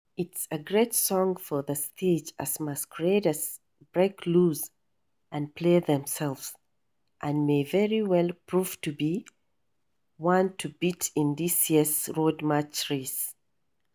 It's a great song for the stage as masqueraders break loose and “play themselves”, and may very well prove to be one to beat in this year's Road March race.